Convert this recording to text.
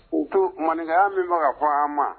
O to, maninkaya min bɛ ka fɔ an ma